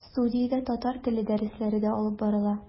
Студиядә татар теле дәресләре дә алып барыла.